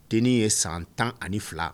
Den ye san tan ani fila